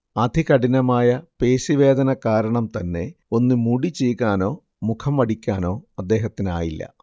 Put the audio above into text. അതികഠിനമായ പേശി വേദന കാരണം തന്നെ ഒന്ന് മുടി ചീകാനോ മുഖം വടിക്കാനോ അദ്ദേഹത്തിനായില്ല